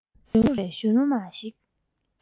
སྐྲ ལོ རིང བའི གཞོན ནུ མ ཞིག